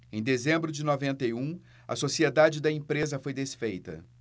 em dezembro de noventa e um a sociedade da empresa foi desfeita